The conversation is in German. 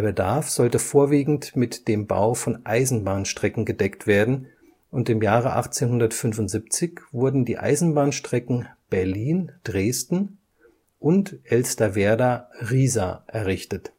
Bedarf sollte vorwiegend mit dem Bau von Eisenbahnstrecken gedeckt werden und im Jahre 1875 wurden die Eisenbahnstrecken Berlin – Dresden und Elsterwerda – Riesa errichtet.